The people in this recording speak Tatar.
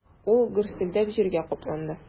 Ул гөрселдәп җиргә капланды.